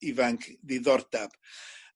ifanc ddiddordab